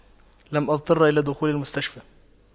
لم أضطر إلى دخول المستشفى